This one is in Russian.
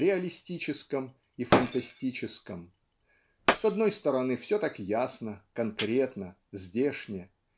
реалистическом и фантастическом. С одной стороны все так ясно конкретно здешне